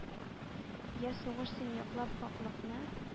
Я сугыш син яклап хаклыкны,